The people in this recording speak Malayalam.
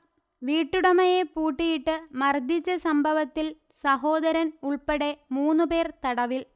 വീട്ടുടമയെ പൂട്ടിയിട്ട് മർദിച്ച സംഭവത്തിൽ സഹോദരൻഉൾപ്പെടെ മൂന്നുപേർ തടവിൽ